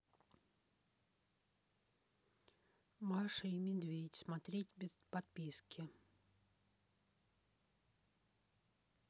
маша и медведь смотреть без подписки